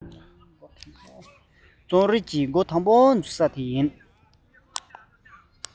རྩོམ རིག གི གཞི རྐང དང པོ འཛུགས ས དེ ཡིན